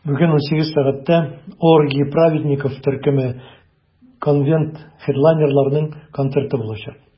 Бүген 18 сәгатьтә "Оргии праведников" төркеме - конвент хедлайнерларының концерты булачак.